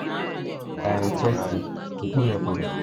Dianne Feinstein, i kpughepuru?